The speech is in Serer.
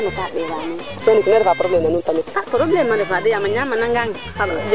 non a refa nga soble fe moom a ndega ngayo xana saqit nda a refa nga mete ne a ndenga nga rek fi kate